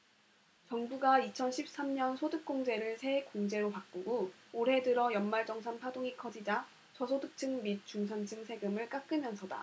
정부가 이천 십 삼 년 소득공제를 세액공제로 바꾸고 올해 들어 연말정산 파동이 커지자 저소득층 및 중산층 세금을 깎으면서다